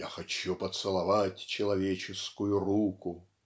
"Я хочу поцеловать человеческую руку".